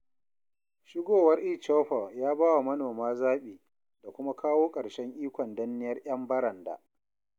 Shigowar eChoupal ya ba wa manoma zaɓi da kuma kawo ƙarshen ikon danniyar 'yan baranda.